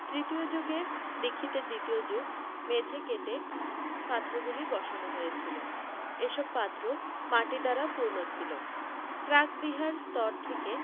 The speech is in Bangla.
তৃতীয় যুগের দীক্ষিতের দ্বিতীয় যুগ মেঝে কেটে পাত্রগুলি বসানো হয়েছিল এসব পাত্র মাটি দ্বারা পূর্ণ ছিল প্রাকবিহার স্তর থেকে